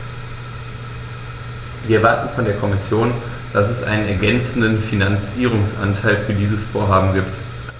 Wir erwarten von der Kommission, dass es einen ergänzenden Finanzierungsanteil für die Vorhaben gibt.